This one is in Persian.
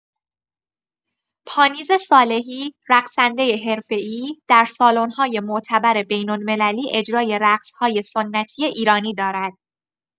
پانیذ صالحی، رقصنده حرفه‌ای، در سالن‌های معتبر بین‌المللی اجرای رقص‌های سنتی ایرانی دارد.